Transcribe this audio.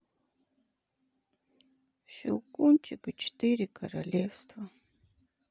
щелкунчик и четыре королевства